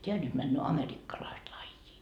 tämä nyt menee amerikkalaista lajia